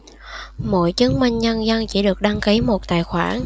mỗi chứng minh nhân dân chỉ được đăng ký một tài khoản